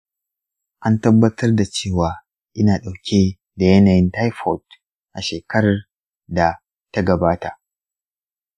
an tabbatar da cewa ina ɗauke da yanayin taifoid a shekarar da ta gabata.